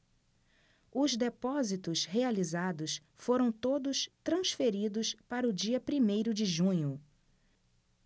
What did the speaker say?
os depósitos realizados foram todos transferidos para o dia primeiro de junho